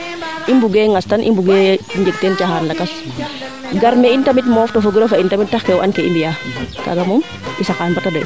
i mbuge ŋastan i mbugee caxaan lakas gar me'in tamit moof to fogiro fo in tamit taxke o an kee i mbiya kaaga moom i saqaan bata doy